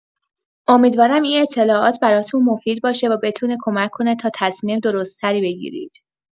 امیدوارم این اطلاعات براتون مفید باشه و بتونه کمک کنه تا تصمیم درست‌تری بگیرید.